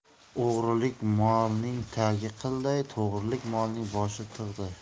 o'g'irlik morning tagi qilday to'g'rilik molning boshi tog'day